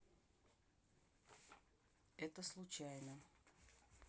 это случайно